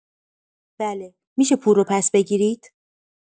بله می‌شه پول رو پس‌بگیرید